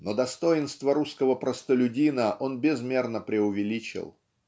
но достоинства русского простолюдина он безмерно преувеличил.